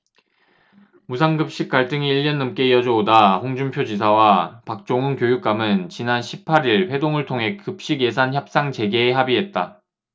무상급식 갈등이 일 년 넘게 이어져 오다 홍준표 지사와 박종훈 교육감은 지난 십 팔 일 회동을 통해 급식예산 협상 재개에 합의했다